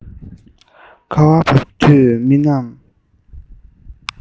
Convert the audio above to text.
ཁ བ འབབ དུས མི རྣམས